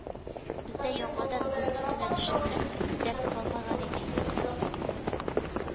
Бездә яңадан боз өстенә төшәрлек дәрт калмаган иде инде